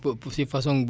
waxin bu gën a leer